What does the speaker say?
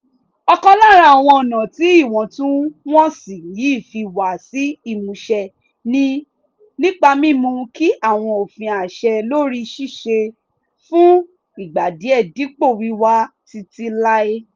Ọ̀kan lára àwọn ọ̀nà tí iwọntún-wọnsì yìí fi wá sí ìmúṣẹ ni nípa mímú kí àwọn òfin àṣẹ-lórí ṣiṣẹ́ fún ìgbà díẹ̀ dípò wíwà títí láé.